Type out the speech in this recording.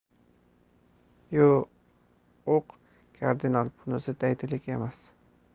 yo' o'q kardinal bunisi daydilik emas